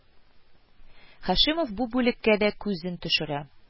Һашимов бу бүлеккә дә күзен төшерә